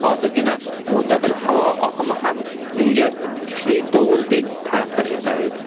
hozirgi mo''tadil havo oqimi ham unga kuchli dovuldek ta'sir etar edi